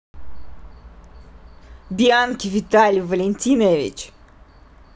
бианки виталий валентинович